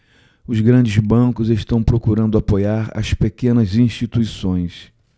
os grandes bancos estão procurando apoiar as pequenas instituições